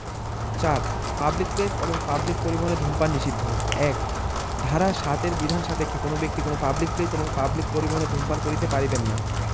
৪ public place এবং public পরিবহণে ধূমপান নিষিদ্ধঃ ১ ধারা ৭ এর বিধান সাপেক্ষে কোন ব্যক্তি কোন পাবলিক প্লেস এবং পাবলিক পরিবহণে ধূমপান করিতে পারিবেন না